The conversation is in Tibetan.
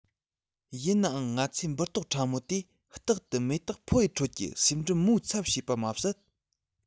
ཡིན ནའང ང ཚོས འབུར ཏོག ཕྲ མོ དེས རྟག ཏུ མེ ཏོག ཕོ ཡི ཁྲོད ཀྱི ཟེའུ འབྲུ མོའི ཚབ བྱེད པ མ ཟད